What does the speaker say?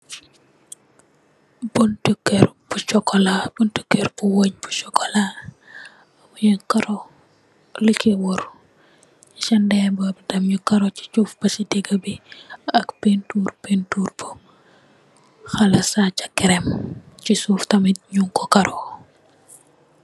Bunti keur bu cxocola bunti keur bu weng bu cxocola mogi karo lu ko wor si ndemam tam nyu karo si suuf basi diga bi ak painturr painturr bu xala cxaca cream si suuf tamit nyun ko karo.